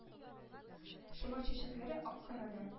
Шомырт чәчәкләре ак кына да